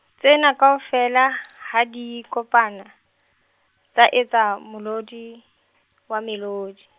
tsena kaofela ha di kopana , tsa etsa molodi, wa melodi.